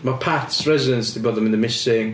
Mae pets residents 'di bod yn mynd yn missing.